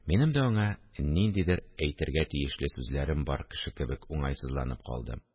Минем дә аңа ниндидер әйтергә тиешле сүзләрем бар кеше кебек уңайсызланып калдым